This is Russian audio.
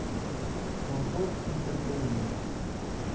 колхоз интертеймент